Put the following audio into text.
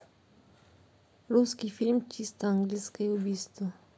русский фильм чисто английское убийство